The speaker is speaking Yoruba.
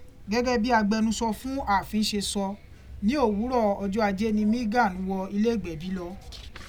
Gẹ́gẹ́ bí agbẹnusọ fún ààfin ṣe sọ, ní òwúrọ̀ ọjọ ajé ni Merghan wọ ilé ìgbẹ̀bí lọ.